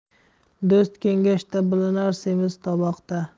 do'st kengashda bilinar semiz toboqda